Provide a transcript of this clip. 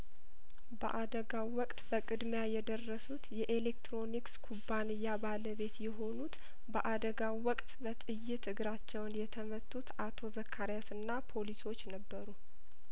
በአደጋው ወቅት በቅድሚያ የደረሱት የኤሌትሮኒክ ስኩባንያ ባለቤት የሆኑት በአደጋው ወቅት በጥይት እግራቸውን የተመቱት አቶ ዘካሪያስና ፖሊሶች ነበሩ